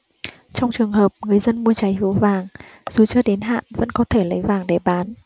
trong trường hợp người dân mua trái phiếu vàng dù chưa đến hạn vẫn có thể lấy vàng để bán